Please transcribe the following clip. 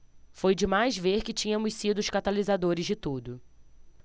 foi demais ver que tínhamos sido os catalisadores de tudo